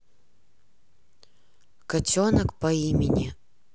котенок по имени